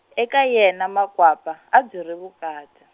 eka yena Makwapa a byi ri vukati.